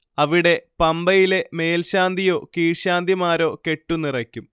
അവിടെ പമ്പയിലെ മേൽശാന്തിയോ കീഴ്ശാന്തിമാരോ കെട്ടു നിറയ്ക്കും